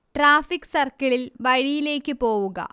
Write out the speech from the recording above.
traffic സർക്കിളിൽ, വഴിയിലേക്ക് പോവുക